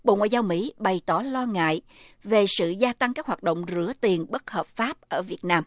bộ ngoại giao mỹ bày tỏ lo ngại về sự gia tăng các hoạt động rửa tiền bất hợp pháp ở việt nam